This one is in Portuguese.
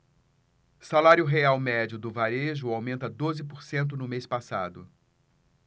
salário real médio do varejo aumenta doze por cento no mês passado